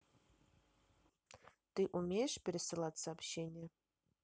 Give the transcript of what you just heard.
ты умеешь пересылать сообщения